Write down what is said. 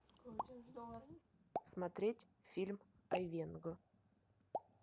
смотреть фильм айвенго